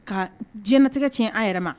Ka diɲɛɲɛnatigɛ tiɲɛ an yɛrɛ ma